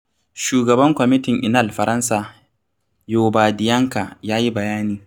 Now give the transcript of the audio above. Shugaban kwamitin Inal-Faransa, Youba Dianka, ya yi bayani: